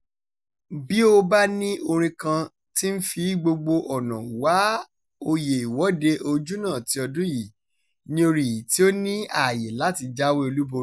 Bí ó bá ní orin kan tí ń fi gbogbo ọ̀nà wá oyè Ìwọ́de Ojúnà ti ọdún yìí, ni orin yìí tí ó ní àyè láti jáwé olúborí: